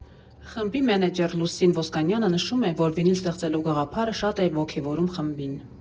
Խմբի մենեջեր Լուսին Ոսկանյանը նշում է, որ վինիլ ստեղծելու գաղափարը շատ է ոգևորում խմբին.